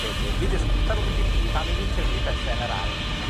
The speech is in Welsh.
hefyd. Fi jyst... Sa'n wbod 'byti chi pan 'yf fi'n tyfu pethe yn yr ardd, fi